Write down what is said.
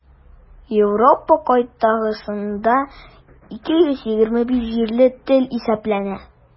Европа кыйтгасында 225 җирле тел исәпләнә.